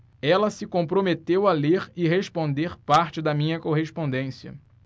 ele se comprometeu a ler e responder parte da minha correspondência